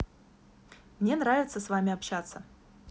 мне нравится с вами общаться